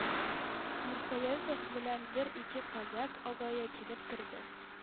Нурсәетов белән бер-ике казакъ агае килеп керде